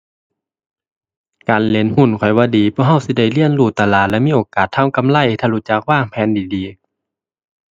การเล่นหุ้น ข้อยว่าดี เพราะเราสิได้เรียนรู้ตลาดและมีโอกาสทำกำไร ถ้ารู้จักวางแผนดีดี